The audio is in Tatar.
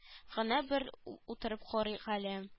Гына бер утырып карыйк әле